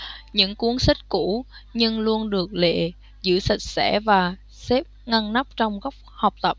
những cuốn sách cũ nhưng luôn được lệ giữ sạch sẽ và xếp ngăn nắp trong góc học tập